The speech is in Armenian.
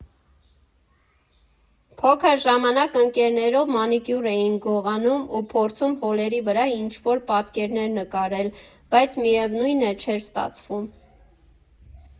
Փոքր ժամանակ ընկերներով մանիկյուր էինք գողանում ու փորձում հոլերի վրա ինչ֊որ պատկերներ նկարել, բայց միևնույն է՝ չէր ստացվում։